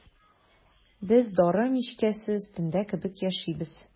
Без дары мичкәсе өстендә кебек яшибез.